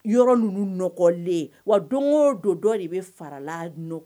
Yɔrɔ ninnu nɔgɔlen wa don o don dɔ de bɛ farala nɔ